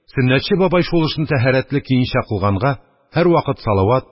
Сөннәтче бабай шул эшене тәһарәтле көенчә кылганга, һәрвакыт салават